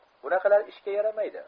bunaqalar ishga yaramaydi